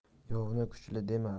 yovni kuchli dema